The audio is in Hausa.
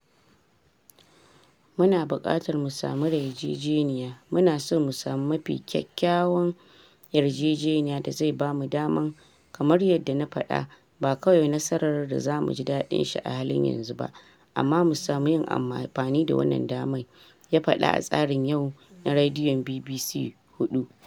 “Mu na bukatar mu samu yarjejeniya. Mu na so mu samu mafi kyakkyawan yarjejeniya da zai bamu daman kamar yadda na fada ba kawai nasaran da zamu ji dadin shi a halin yanzu ba amma mu samu yin amfani da wannan daman,” ya fada a tsarin Yau na Radiyon BBC 4.